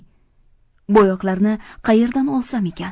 bo'yoqlarni qayerdan olsam ekan